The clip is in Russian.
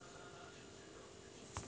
вселенноголовый фильм